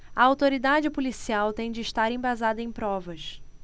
a autoridade policial tem de estar embasada em provas